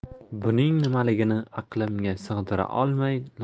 buning nimaligini aqlimga sig'dira